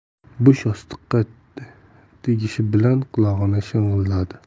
boshi yostiqqa tegishi bilan qulog'i shang'illadi